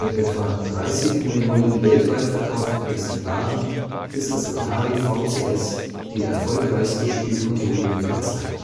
etwa 30 Millionen weltweit verkauften Exemplaren ist das Atari VCS die erfolgreichste Spielkonsole ihrer Zeit